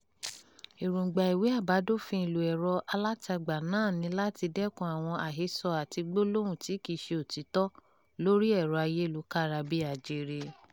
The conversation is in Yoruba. Èròńgbà ìwé àbádòfin ìlò ẹ̀rọ alátagbà náà ni láti dẹ́kun àwọn àhesọ àti gbólóhùn tí kì í ṣe òtítọ́ lórí ẹ̀rọ ayélukára bí ajere.